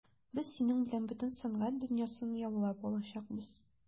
Без синең белән бөтен сәнгать дөньясын яулап алачакбыз.